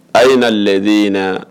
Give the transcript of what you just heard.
A ye na lajɛde in na